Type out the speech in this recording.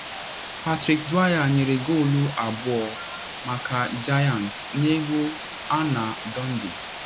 Patrick Dwyer nyere goolu abụọ maka Giants n’egwu ha na Dundee